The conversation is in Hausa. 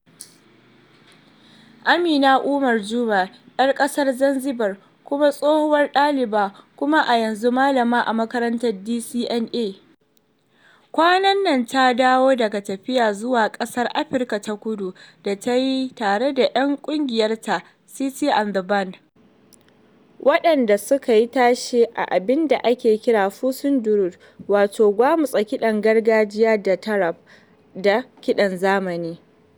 Amina Omar Juma "yar ƙasar Zanzibar kuma tsohuwar ɗaliba kuma a yanzu malama a makarantar DCMA kwanan nan ta dawo daga tafiya zuwa ƙasar Afirka ta Kudu da ta yi tare da 'yan ƙungiyarta ta "Siti and the Band" waɗanda suka yi tashe a abinda ake kira "fusing the roots" wato gwamutsa kiɗan gargajiya na taarab da kiɗan zamani.